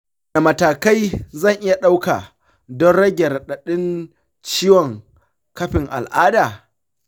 wane matakai zan iya ɗauka don rage raɗadin ciwon kafin al'ada ?